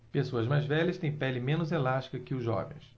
pessoas mais velhas têm pele menos elástica que os jovens